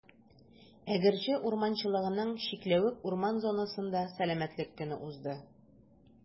Әгерҗе урманчылыгының «Чикләвек» урман зонасында Сәламәтлек көне узды.